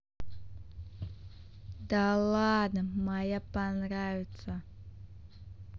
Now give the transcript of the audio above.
да ладно моя понравится